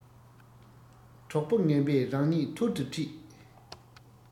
གྲོགས པོ ངན པས རང ཉིད ཐུར དུ འཁྲིད